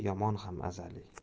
yomon ham azaliy